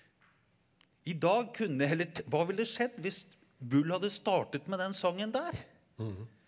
i dag kunne eller hva ville skjedd hvis Bull hadde startet med den sangen der?